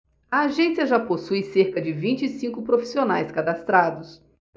a agência já possui cerca de vinte e cinco profissionais cadastrados